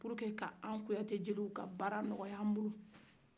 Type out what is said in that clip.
pour que ka anw kuyatejeliw ka baara nɔgɔy'an bolo